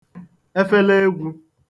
efeleegwū